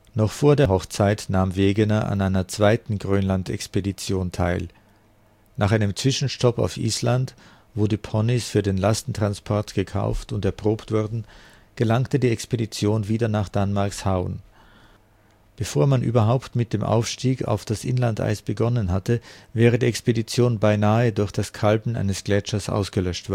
Noch vor der Hochzeit nahm Wegener an einer zweiten Grönlandexpedition teil. Nach einem Zwischenstopp auf Island, wo die Ponys für den Lastentransport gekauft und erprobt wurden, gelangte die Expedition wieder nach Danmarkshavn. Bevor man überhaupt mit dem Aufstieg auf das Inlandeis begonnen hatte, wäre die Expedition beinahe durch das Kalben eines Gletschers ausgelöscht